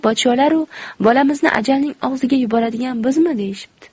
podsholaru bolamizni ajalning og'ziga yuboradigan bizmi deyishibdi